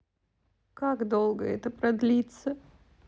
как долго это продлится